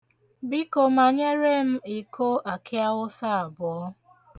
Biko, manyere m iko akịawụsa abụọ.